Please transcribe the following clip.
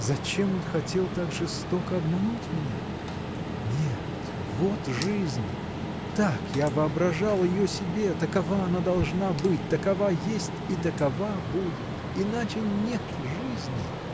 зачем он хотел так жестоко обмануть меня? Нет, вот жизнь! так я воображал ее себе такова она должна быть такова есть и такова будет! Иначе нет жизни!